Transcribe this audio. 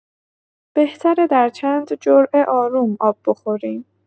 بهتره در چند جرعه آروم آب بخوریم.